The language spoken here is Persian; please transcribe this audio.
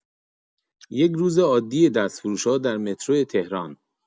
یک روز عادی دستفروشا در مترو تهران